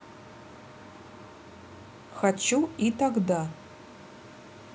хочу и тогда